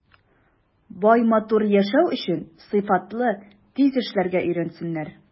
Бай, матур яшәү өчен сыйфатлы, тиз эшләргә өйрәнсеннәр.